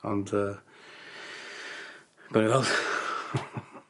Ond yy gawn ni weld.